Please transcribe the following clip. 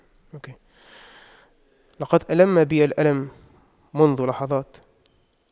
لقد ألم بي الألم منذ لحظات